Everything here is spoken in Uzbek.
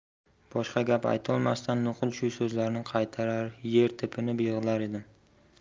boshqa gap aytolmasdan nuqul shu so'zlarni qaytarar yer tepinib yig'lar edim